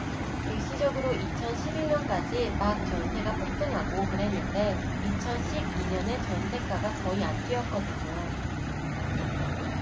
일시적으로 이천 십 일 년까지 막 전세가 폭등하고 그랬는데 이천 십 이 년에 전세가가 거의 안 뛰었거든요